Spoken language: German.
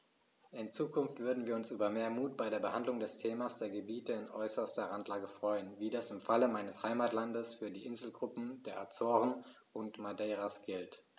In Zukunft würden wir uns über mehr Mut bei der Behandlung des Themas der Gebiete in äußerster Randlage freuen, wie das im Fall meines Heimatlandes für die Inselgruppen der Azoren und Madeiras gilt.